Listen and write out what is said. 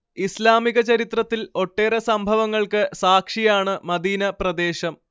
ഇസ്ലാമിക ചരിത്രത്തിൽ ഒട്ടേറെ സംഭവങ്ങൾക്ക് സാക്ഷിയാണ് മദീന പ്രദേശം